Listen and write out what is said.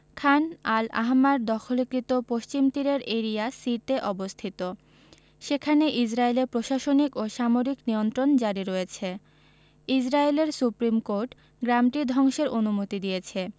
খান al Ahmar দখলীকৃত পশ্চিম তীরের এরিয়া সি তে অবস্থিত সেখানে ইসরাইলের প্রশাসনিক ও সামরিক নিয়ন্ত্রণ জারি রয়েছে ইসরাইলের সুপ্রিম কোর্ট গ্রামটি ধ্বংসের অনুমতি দিয়েছে